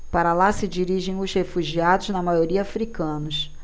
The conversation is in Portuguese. para lá se dirigem os refugiados na maioria hútus